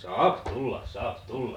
saa tulla saa tulla